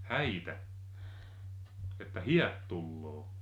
häitä että häät tulee